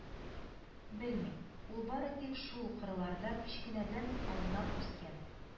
Белми, ул бары тик шул кырларда кечкенәдән аунап үскән